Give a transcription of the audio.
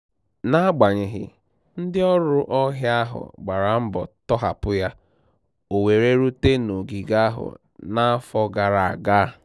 N'agbanyeghị, ndịọrụ ọhịa ahụ gbara mbọ tọhapụ ya, o were rute n'ogige ahụ n'afọ gara aga.